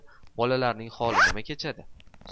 bolalarining holi nima kechadi